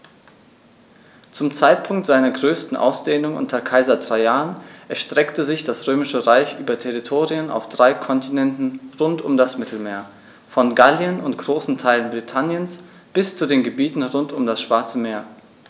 Zum Zeitpunkt seiner größten Ausdehnung unter Kaiser Trajan erstreckte sich das Römische Reich über Territorien auf drei Kontinenten rund um das Mittelmeer: Von Gallien und großen Teilen Britanniens bis zu den Gebieten rund um das Schwarze Meer.